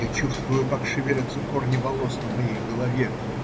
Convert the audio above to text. Я чувствую, как шевелятся корни волос на моей голове.